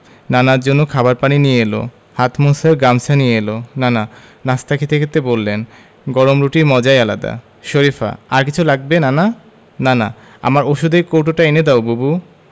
নানার জন্য খাবার পানি নিয়ে এলো হাত মোছার গামছা নিয়ে এলো নানা নাশতা খেতে খেতে বললেন গরম রুটির মজাই আলাদা শরিফা আর কিছু লাগবে নানা নানা আমার ঔষধের কৌটোটা এনে দাও বুবু